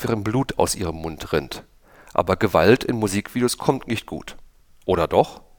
Blut aus ihrem Mund rinnt. Aber Gewalt in Musikvideos kommt nicht gut. Oder doch